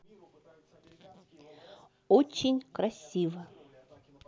очень красиво